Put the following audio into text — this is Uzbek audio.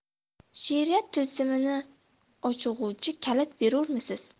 sheriyat tilsimini ochg'uvchi kalit berurmisiz